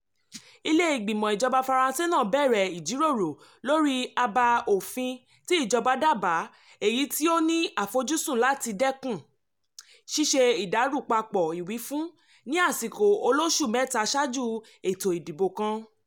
Ilé ìgbìmọ̀ ìjọba Faransé náà bẹ̀rẹ̀ ìjíròrò lórí àbá òfin tí ìjọba dábàá èyí tí ó ní àfojúsùn láti dẹ́kun "ṣíṣe ìdàrúdàpọ̀ ìwífún" ní àsìkò olóṣù-mẹ́ta ṣáájú ètò ìdìbò kan.